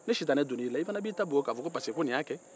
ni sitanɛ donna i la i fana b'i ta bugɔ k'a fɔ ko nin y'a kɛ